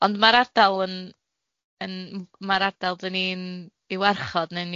Ond ma'r ardal yn yn ma'r ardal dan ni'n ei warchod neu'n